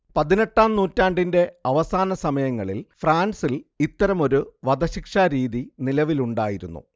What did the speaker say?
പതിനെട്ടാം നൂറ്റാണ്ടിന്റെ അവസാനസമയങ്ങളിൽ ഫ്രാൻസിൽ ഇത്തരമൊരു വധശിക്ഷാരീതി നിലവിലുണ്ടായിരുന്നു